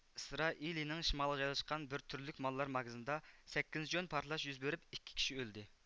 ئىسرائىلىيىنىڭ شىمالىغا جايلاشقان بىر تۈرلۈك ماللار ماگىزىنىدا سەككىزىنچى ئىيۇن پارتلاش يۈز بېرىپ ئىككى كىشى ئۆلدى